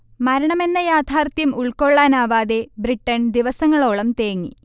മരണമെന്ന യാഥാർഥ്യം ഉൾക്കൊള്ളാവാകാതെ, ബ്രിട്ടൻ ദിവസങ്ങളോളം തേങ്ങി